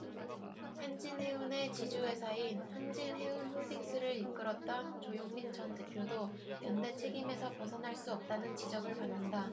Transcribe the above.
한진해운의 지주회사인 한진해운홀딩스를 이끌었던 조용민 전 대표도 연대 책임에서 벗어날 수 없다는 지적을 받는다